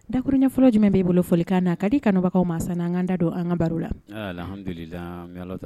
Dakurunya fɔlɔ jumɛn bɛe bolo fɔkan na ka di kanubagaw ma san an ka da don an ka baro la